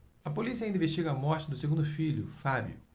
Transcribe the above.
a polícia ainda investiga a morte do segundo filho fábio